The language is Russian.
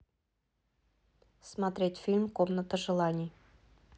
смотреть фильм комната желаний